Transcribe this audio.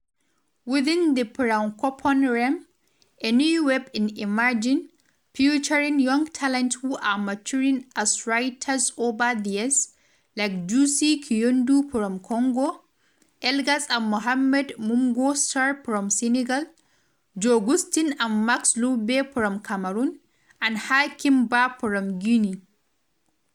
Within the Francophone realm, a new wave is emerging, featuring young talents who are maturing as writers over the years, like Jussy Kiyindou from Congo, Elgas and Mohamed Mbougar Sarr from Senegal, Jo Güstin and Max Lobé from Cameroon, and Hakim Bah from Guinea.